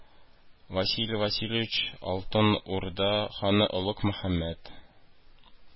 Василий Васильевич Алтын Урда ханы Олуг Мөхәммәд